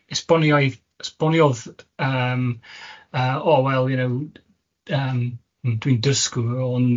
Esboniaidd, esboniodd yym yy o wel you know, yym dwi'n dysgwyr ond